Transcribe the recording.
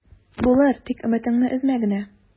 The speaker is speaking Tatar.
Булыр, тик өметеңне өзмә генә...